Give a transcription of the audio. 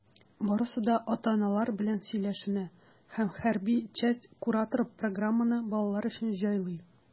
Барысы да ата-аналар белән сөйләшенә, һәм хәрби часть кураторы программаны балалар өчен җайлый.